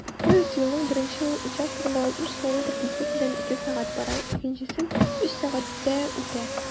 Поезд юлның беренче участогында 60 км/сәг тизлек белән 2 сәг. бара, икенчесен 3 сәгатьтә үтә.